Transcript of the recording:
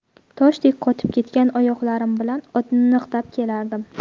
toshdek qotib ketgan oyoqlarim bilan otni niqtab kelardim